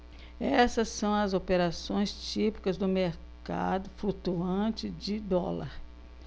essas são as operações típicas do mercado flutuante de dólar